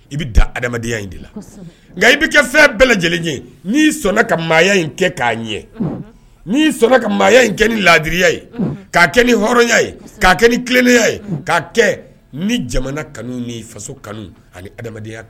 I bɛ de la nka i bɛ kɛ fɛn bɛɛ lajɛlen n' sɔnna ka maaya kɛ k'a ɲɛ n sɔnna ka maaya in kɛ ni la laadiriya ye ka kɛ ni hɔrɔnya ye ka kɛ ni tilennenya ye' kɛ ni jamana kanu ni faso kanu ani adamadenya